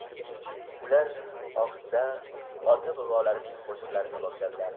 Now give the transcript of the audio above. ular ohista ota bobolarning qo'shiqlarini boshladilar